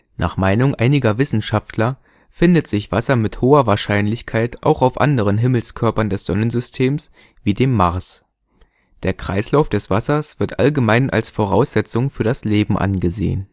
Nach Meinung einiger Wissenschaftler findet sich Wasser mit hoher Wahrscheinlichkeit auch auf anderen Himmelskörpern des Sonnensystems wie dem Mars. Der Kreislauf des Wassers wird allgemein als Voraussetzung für das Leben angesehen